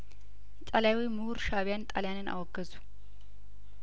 ጣሊያዊው ምሁር ሻእቢያን ጣሊያንን አወገዙ